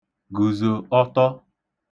gùzò ọtọ